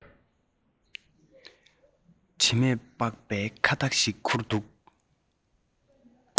དྲི མས སྦགས པའི ཁ བཏགས ཤིག ཁུར འདུག